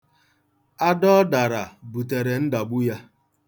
Ada ọ dara butere ndagbu ya.